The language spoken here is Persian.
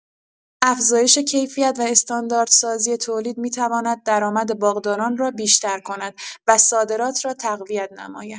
افزایش کیفیت و استانداردسازی تولید می‌تواند درآمد باغداران را بیشتر کند و صادرات را تقویت نماید.